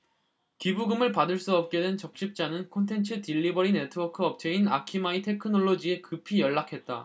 기부금을 받을 수 없게 된 적십자는 콘텐츠 딜리버리 네트워크 업체인 아카마이 테크놀로지에 급히 연락했다